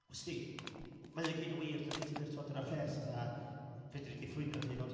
wsti, mae o i gyd yn wir dydi, tydi'r... tibod dyna'r peth, fatha fedri di ffrwyno dy hun ond